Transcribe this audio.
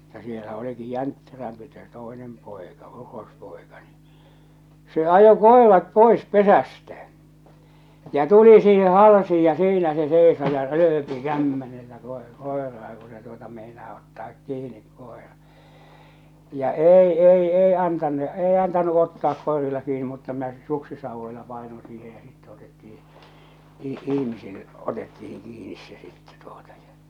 mutta siellä olikin jäntterämpi se toinen poika urospoika niin se ajoi koirat pois pesästä ja tuli siihen halsiin ja siinä se seisoi ja rööpi kämmenellä - koiraa kun se tuota meinaa ottaa kiinni koira ja ei ei ei antanut ei antanut ottaa koirilla kiinni mutta minä se suksisauvoilla painoin siihen ja sitten otettiin - ihmisillä otettiin kiinni se sitten tuota ja